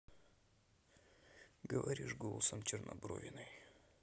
говоришь голосом чернобровиной